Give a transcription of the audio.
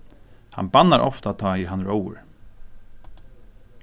hann bannar ofta tá ið hann er óður